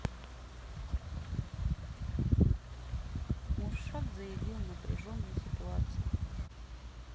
муршак заявил напряженной ситуации